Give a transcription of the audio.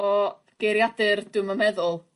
O geiriadur dwi'm yn meddwl!